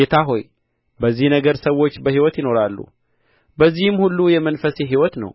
ጌታ ሆይ በዚህ ነገር ሰዎች በሕይወት ይኖራሉ በዚህም ሁሉ የመንፈሴ ሕይወት ነው